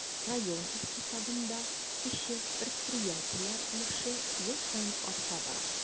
Район икътисадында кече предприятиеләр өлеше ел саен арта бара.